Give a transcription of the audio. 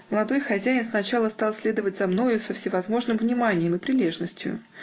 Молодой хозяин сначала стал следовать за мною со всевозможным вниманием и прилежностию